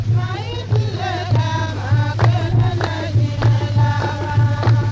maa y'i tile kɛ maa kelen tɛ diɲɛ laban